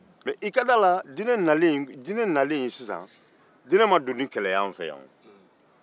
i ka d'a la diinɛ ma don ni kɛlɛ ye anw fɛ yan